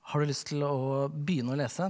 har du lyst til å begynne å lese?